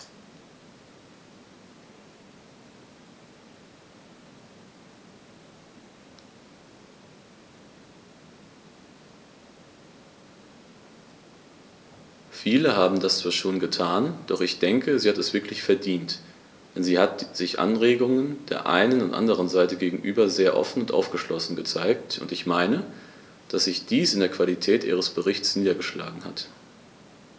Viele haben das zwar schon getan, doch ich denke, sie hat es wirklich verdient, denn sie hat sich Anregungen der einen und anderen Seite gegenüber sehr offen und aufgeschlossen gezeigt, und ich meine, dass sich dies in der Qualität ihres Berichts niedergeschlagen hat.